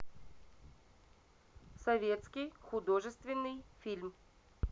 советский художественный фильм